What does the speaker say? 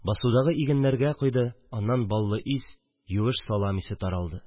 Басудагы игеннәргә койды – аннан баллы ис, юеш салам исе таралды